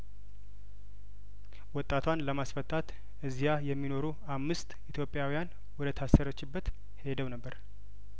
ወጣቷን ለማስፈታት እዚያ የሚኖሩ አምስት ኢትዮጵያውያን ወደ ታሰረችበት ሄደው ነበር